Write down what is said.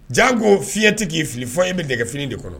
Jaa ko fiɲɛtigi k'i fili fɔ in bɛ nɛgɛ fini de kɔnɔ